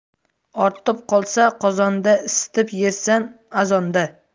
ortib qolsa qozonda isitib yersan azonda